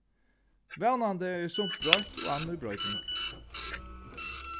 vónandi er sumt broytt og annað í broyting